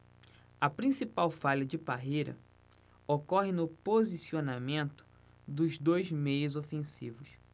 a principal falha de parreira ocorre no posicionamento dos dois meias ofensivos